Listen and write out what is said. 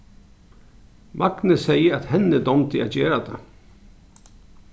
magni segði at henni dámdi at gera tað